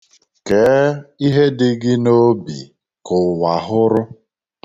Kee ihe dị gị n'obi ka ụwa hụrụ